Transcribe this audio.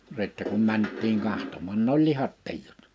sitten kun mentiin katsomaan ne oli lihat tiinut